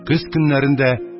Көз көннәрендә